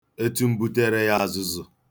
Etum buteere ya azụzụ.